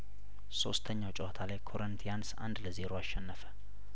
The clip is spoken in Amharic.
ሶስተኛው ጨዋታ ላይ ኮሪንቲያንስ አንድ ለዜሮ አሸነፈ